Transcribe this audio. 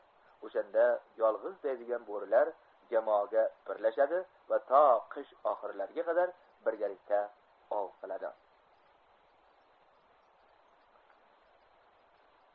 o'shanda yolg'iz daydigan bo'rilar jamoaga birlashadi va to qish oxirlariga qadar birgalikda ov qiladi